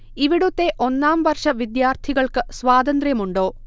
ഇവിടുത്തെ ഒന്നാം വർഷ വിദ്യാർത്ഥികൾക്ക് സ്വാതന്ത്ര്യമുണ്ടോ